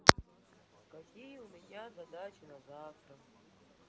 какие у меня задачи на завтра